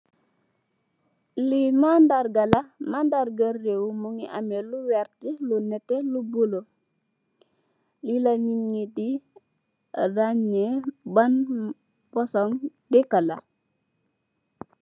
Li maadaarga la maadaarga rew mongi amme lu wert lu nete lu bulu li la neen di rangne ban fashion dekala.